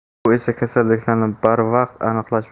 bu esa kasalliklarni barvaqt aniqlash